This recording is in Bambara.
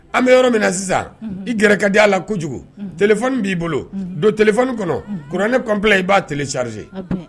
An bɛ yɔrɔ min sisan i gɛrɛ ka di a la kojugu telefɔni b'i bolo don telefɔni kɔnɔ kuranɛ kɔnpile i b'a telesarize .